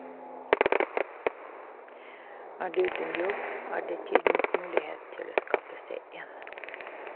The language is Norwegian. Er du uten jobb, er det tidenes mulighet til å skaffe seg en.